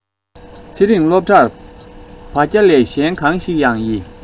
ཚེ རིང སློབ གྲྭར འབ བརྒྱ ལས གཞན གང ཞིག ཡང ཡི